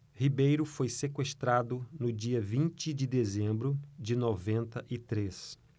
ribeiro foi sequestrado no dia vinte de dezembro de noventa e três